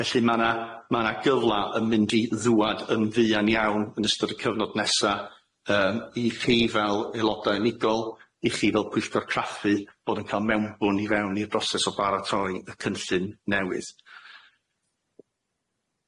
Felly ma' na ma' na gyfla yn mynd i ddŵad yn fuan iawn yn ystod y cyfnod nesa yym i chi fel aeloda unigol i chi fel pwyllgor craffu bod yn ca'l mewnbwn i fewn i'r broses o baratoi y cynllun newydd.